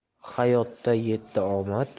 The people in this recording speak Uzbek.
hayotda yetti omad